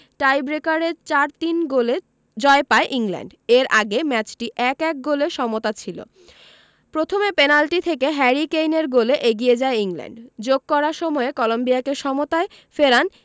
টাইব্রেকারে ৪ ৩ গোলে জয় পায় ইংল্যান্ড এর আগে ম্যাচটি ১ ১ গোলে সমতা ছিল প্রথমে পেনাল্টি থেকে হ্যারি কেইনের গোলে এগিয়ে যায় ইংল্যান্ড যোগ করা সময়ে কলম্বিয়াকে সমতায় ফেরান